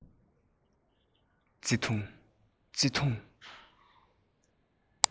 བརྩེ དུང བརྩེ དུང